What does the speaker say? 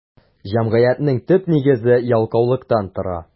Җәмгыятьнең төп нигезе ялкаулыктан тора.